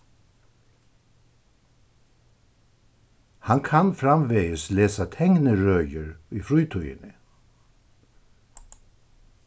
hann kann framvegis lesa teknirøðir í frítíðini